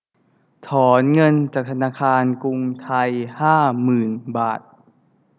ถอนเงินจากธนาคารกรุงไทยห้าหมื่นบาท